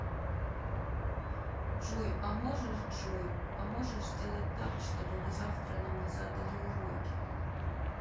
джой а можешь джой а можешь сделать так чтобы вы завтра нам не задали уроки